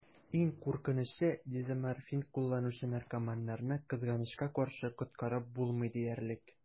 Иң куркынычы: дезоморфин кулланучы наркоманнарны, кызганычка каршы, коткарып булмый диярлек.